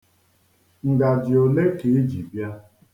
Ngaji ole ka i ji bịa?